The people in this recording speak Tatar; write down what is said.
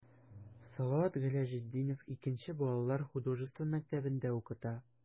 Салават Гыйләҗетдинов 2 нче балалар художество мәктәбендә укыта.